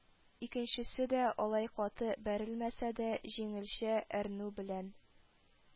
Икенчесе дә, алай каты бәрелмәсә дә, җиңелчә әрнү белән: